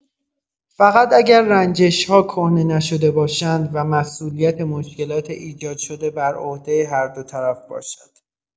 فقط اگر رنجش‌ها کهنه نشده باشند و مسئولیت مشکلات ایجادشده بر عهده هر دو طرف باشد.